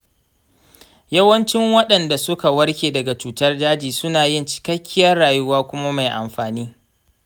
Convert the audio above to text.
yawancin wadanda suka warke daga cutar daji sunayin cikekkiyar rayuwa kuma mai amfani.